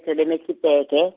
ele- Middelburg.